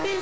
axa